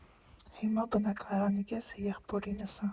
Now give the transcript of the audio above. Հիմա բնակարանի կեսը եղբորինս ա։